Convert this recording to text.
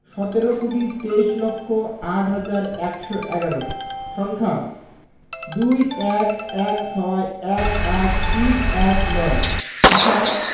সতেরো কোটি তেইশ লক্ষ আট হাজার একশো এগারো সংখ্যাঃ ২১ ১৬ ১৮ ৩১৯ কথায়ঃ